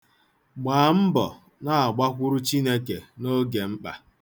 Gbaa mbọ na-agbakwuru Chineke n'oge mkpa.